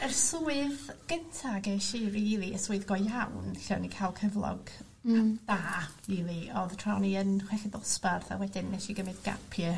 Yr swydd gynta gesh i rili y swydd go iawn lle o'n i ca'l cyflog... Hmm. ...dda rili o'dd tra o'n i yn chweched dosbarth a wedyn nesh i gymryd gap year